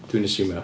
Dwi'n asiwmio.